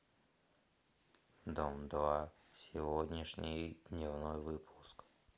дом два сегодняшний дневной выпуск